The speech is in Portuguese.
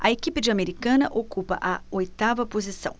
a equipe de americana ocupa a oitava posição